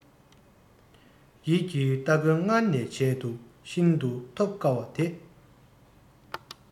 ཡིད ཀྱི སྟ གོན སྔར ནས བྱས འདུག ཤིན ཏུ ཐོབ དཀའ བ དེ